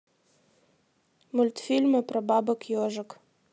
мультфильмы про бабок ежек